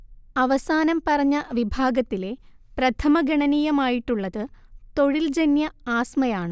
അവസാനം പറഞ്ഞ വിഭാഗത്തിലെ പ്രഥമഗണനീയമായിട്ടുള്ളത് തൊഴിൽജന്യ ആസ്മയാണ്